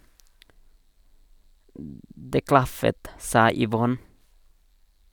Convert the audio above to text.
Det klaffet , sa Yvonne.